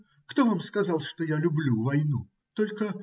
Кто вам сказал, что я люблю войну? Только.